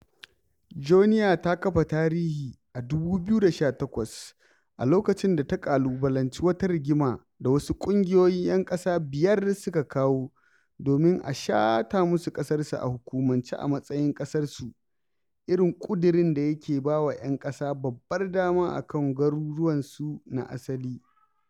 Joenia ta kafa tarihi a 2008 a lokacin da ta ƙalubalanci wata rigima da wasu ƙungiyoyin 'yan ƙasa biyar suka kawo, domin a shata musu ƙasarsu a hukumanci a matsayin ƙasarsu, irin ƙudurin da yake ba wa 'yan ƙasa babbar dama a kan garuruwansu na asali.